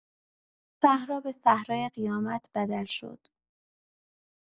صحرا به صحرای قیامت بدل شد.